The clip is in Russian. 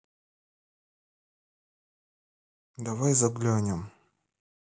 давай заглянем